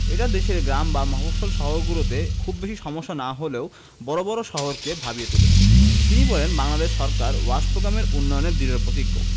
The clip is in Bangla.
এটা দেশের গ্রাম বা মফস্বল শহরগুলোতে খুব বেশি সমস্যা না হলেও বড় বড় শহরকে ভাবিয়ে তুলেছে তিনি বলেন বাংলাদেশ সরকার ওয়াশ প্রোগ্রামের উন্নয়নে দৃঢ়প্রতিজ্ঞ